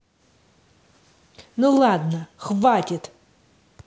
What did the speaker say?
ну ладно хватит